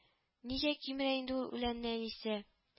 Нигә кимерә инде ул үләнне әнисә